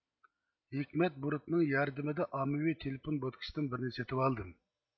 ھېكمەت بۇرۇتنىڭ ياردىمىدە ئاممىۋى تېلېفون بوتكىسىدىن بىرنى سېتىۋالدىم